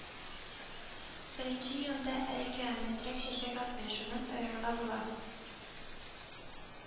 Беренче елында әрекилометрәк чәчәк атмый, шуннан аерырга була